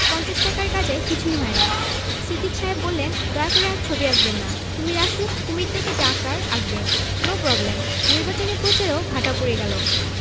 পঞ্চাশ টাকার গাজায় কিছুই হয় না সিদ্দিক সাহেব বললেন দয়া করে আর ছবি আঁকবেন না কুমীর আসুক কুমীর দেখে যা আঁকার আঁকবেন নো প্রবলেম নিবাচনী প্রচারেও ভাটা পড়ে গেল